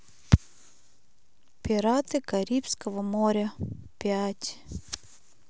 пираты карибского моря пять